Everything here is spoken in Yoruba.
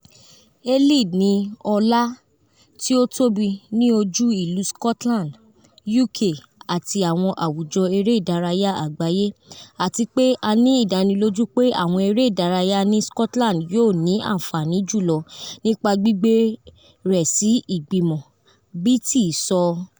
"Eilidh ni ọlá ti o tobi ni oju ilu Scotland, UK ati awọn awujọ ere-idaraya agbaye ati pe a ni idaniloju pe awọn ere-idaraya ni Scotland yoo ni anfani julọ nipa gbigbe rẹ si igbimọ," Beattie sọ.